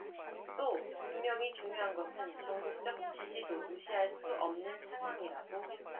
또 분명히 중요한 것은 전국적 지지도 무시할 수 없는 상황이라고 했다